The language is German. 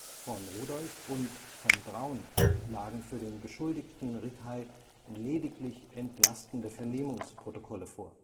Von Rudolph und von Braun lagen für den Beschuldigten Rickhey lediglich entlastende Vernehmungsprotokolle vor